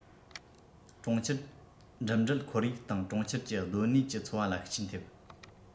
གྲོང ཁྱེར འགྲིམ འགྲུལ ཁོར ཡུག དང གྲོང ཁྱེར གྱི སྡོད གནས ཀྱི འཚོ བ ལ ཤུགས རྐྱེན ཐེབས